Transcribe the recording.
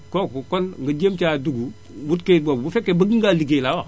kooku kon nga jéem caa dugg wut kayi googu bu fekkee bëgg ngaa liggéey laa wax